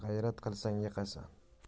g'ayrat qilsang yiqasan